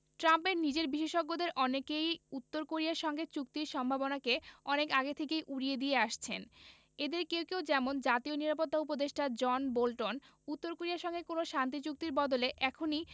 ট্রাম্পের নিজের বিশেষজ্ঞদের অনেকেই উত্তর কোরিয়ার সঙ্গে চুক্তির সম্ভাবনাকে অনেক আগে থেকেই উড়িয়ে দিয়ে আসছেন এঁদের কেউ কেউ যেমন জাতীয় নিরাপত্তা উপদেষ্টা জন বোল্টন উত্তর কোরিয়ার সঙ্গে কোনো শান্তি চুক্তির বদলে এখনই